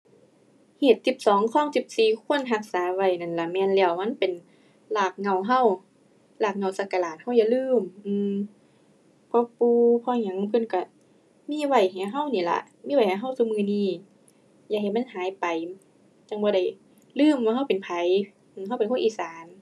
ฮีตสิบสอง คองสิบสี่ ควรรักษาไว้นั่นล่ะแม่นแล้ว มันเป็นรากเหง้าเรา รากเหง้าศักราชเราอย่าลืม อือ พ่อปู่ พ่อหยังเพิ่นเรามีไว้ให้เรานี่ล่ะ มีไว้ให้เราซุมื้อนี้ อย่าให้มันหายไป จั่งบ่ได้ลืมว่าเราเป็นไผ เราเป็นคนอีสาน